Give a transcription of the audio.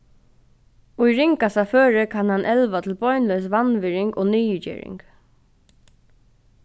í ringasta føri kann hann elva til beinleiðis vanvirðing og niðurgering